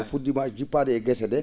o fu??iima jippaade e gese ?ee